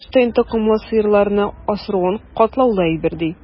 Ул Һолштейн токымлы сыерларны асрауны катлаулы әйбер, ди.